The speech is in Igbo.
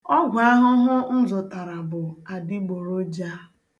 Ọgwụahụhụ m zụtara bụ adịgboroja.